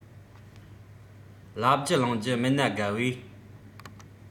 ལབ རྒྱུ གླེང རྒྱུ མེད ན དགའ བས